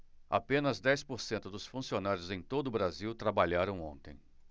apenas dez por cento dos funcionários em todo brasil trabalharam ontem